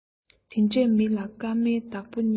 དེ འདྲས མི ལ སྐར མའི བདག པོ རྙེད